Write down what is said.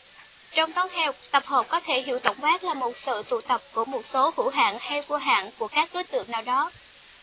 trong toán học tập hợp có thể hiểu tổng quát là một sự tụ tập của một số hữu hạn hay vô hạn của các đối tượng nào đó